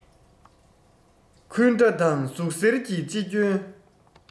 འཁུན སྒྲ དང ཟུག གཟེར གྱིས ཅི སྐྱོན